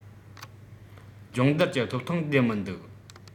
སྦྱོང བརྡར གྱི ཐོབ ཐང ལྡན མི འདུག